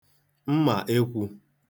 mmàekwū